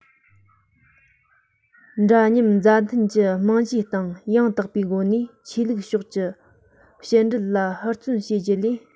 འདྲ མཉམ མཛའ མཐུན གྱི རྨང གཞིའི སྟེང ཡང དག པའི སྒོ ནས ཆོས ལུགས ཕྱོགས ཀྱི ཕྱི འབྲེལ ལ ཧུར བརྩོན བྱེད རྒྱུ ལས